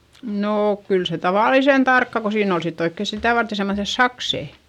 no kyllä se tavallisen tarkkaan kun siinä oli sitten oikein sitä varten semmoiset sakset